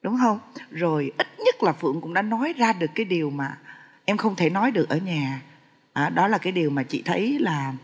đúng hông rồi ít nhất là phượng cũng đã nói ra được cái điều mà em không thể nói được ở nhà á đó là cái điều mà chị thấy là